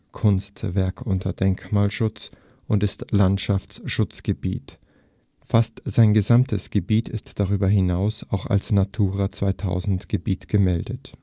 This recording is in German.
Gartenkunstwerk unter Denkmalschutz und ist Landschaftsschutzgebiet. Fast sein gesamtes Gebiet ist darüber hinaus auch als Natura2000-Gebiet gemeldet